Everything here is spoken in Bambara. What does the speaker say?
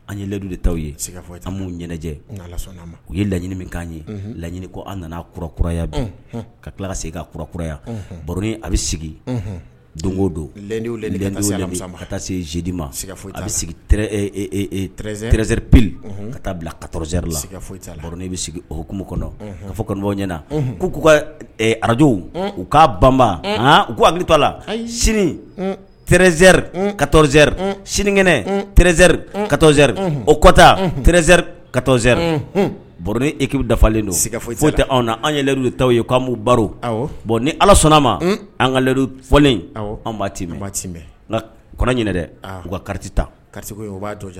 An yelɛdu de ye sɛgɛ an' ɲɛnajɛɛnɛ ala u ye laɲini min' ye laɲiniini ko an nana kuraya bi ka tila ka se ka kuraya a bɛ sigi don o don taa se zidi ma a bɛ sigizerip ka taa bila kazri i bɛ sigikumu kɔnɔ ka fɔbaw ɲɛnaɲɛna k'u'u ka arajo u k' banba kola sini trɛnzeri kazeri sinikɛnɛ tzeri kazɛri o kɔta trɛnzeri kazɛeri bin e kkii dafalen don sɛgɛ foyi tɛ anw an yɛrɛlɛdu de tɔw ye k'anmu baro bɔn ni ala sɔnnaan ma an ka lɛdu fɔlen anti nka kɔn ɲ dɛ uu kariti ta